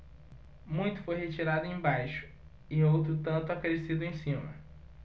muito foi retirado embaixo e outro tanto acrescido em cima